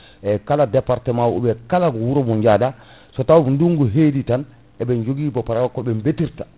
eyyi kala département ji ou bien kala wuro ngo jaaɗa so taw ndunggu heewi tan eɓe joogui bo * koɓe betirta